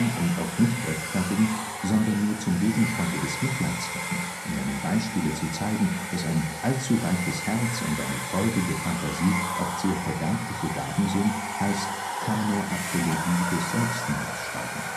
und auch nicht rechtfertigen, sondern nur zum Gegenstande des Mitleids machen, in seinem Beispiele zu zeigen, dass ein allzuweiches Herz und eine feurige Phantasie oft sehr verderbliche Gaben sind, heißt keine Apologie des Selbstmords schreiben